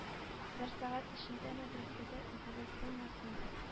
Бер сәгать эчендә мәдрәсәдә эзегез булмасын!